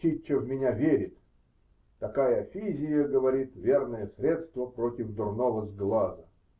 Чиччо в меня верит: "такая физия", говорит, "верное средство против дурного сглаза".